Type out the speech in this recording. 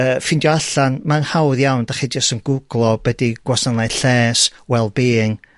yy, ffeindio allan, ma'n hawdd iawn. 'Dach chi jys yn gwglo be' 'di gwasanaeth lles, wellbeing